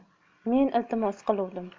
men iltimos qiluvdim